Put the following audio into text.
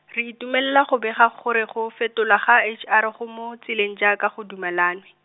re itumelela go bega gore go fetolwa ga H R a go mo tseleng jaaka go dumalanwe.